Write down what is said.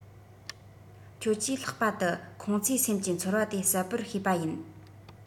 ཁྱོད ཀྱིས ལྷག པ དུ ཁོང ཚོས སེམས ཀྱི ཚོར བ དེ གསལ པོར ཤེས པ ཡིན